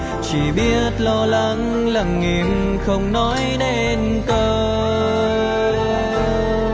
chỉ biết lo lắng lặng im không nói nên câu